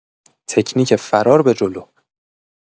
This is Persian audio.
تکنیک فرار به‌جلو